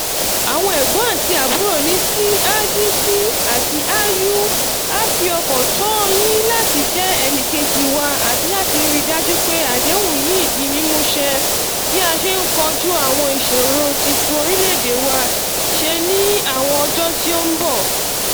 Àwọn Ẹ̀gbọ́n àti àbúrò ní SADC àti AU, a fi ọkàn tán yín láti jẹ́ ẹni kejì wa àti láti ríi dájú pé àdéhùn yìí di mímú ṣẹ bí a ṣe ń kojú àwọn ìṣòro títún orílẹ̀ èdè wa ṣe ní àwọn ọjọ́ tí ó ń bọ̀.